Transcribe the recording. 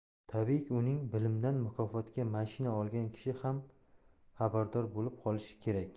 tabiiyki uning bilimidan mukofotga mashina olgan kishi ham xabardor bo'lib qolishi kerak